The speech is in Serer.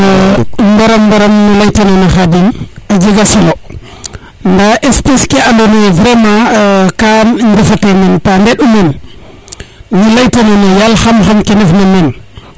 mbara mbaram ne ley ta nona xadim a jega solo nda espece ke ando naye ka nde u men to ndefa te men ne ley ta nona yeel xam xam ke ndef na meen